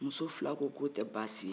muso fila ko ko tɛ baasi ye